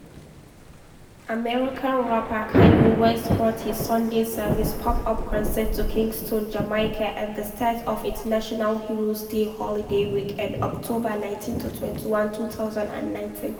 American rapper Kanye West brought his "Sunday Service" pop-up concert to Kingston, Jamaica, at the start of its National Heroes Day holiday weekend (October 19-21, 2019).